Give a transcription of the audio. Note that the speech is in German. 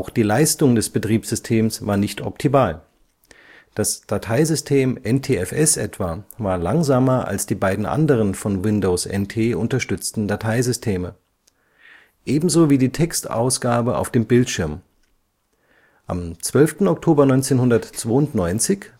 die Leistung des Betriebssystems war nicht optimal. Das Dateisystem NTFS etwa war langsamer als die beiden anderen von Windows NT unterstützten Dateisysteme, ebenso wie die Textausgabe auf dem Bildschirm. Am 12. Oktober 1992